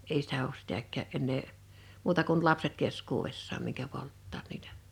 ei sitä ole sitäkään enää muuta kuin lapset keskuudessaan minkä polttavat niitä